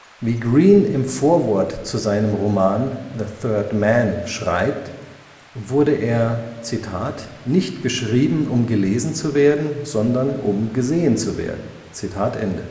Wie Greene im Vorwort zu seinem Roman The Third Man schreibt, wurde er „ nicht geschrieben, um gelesen zu werden, sondern um gesehen zu